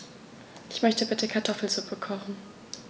Ich möchte bitte Kartoffelsuppe kochen.